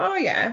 O ie.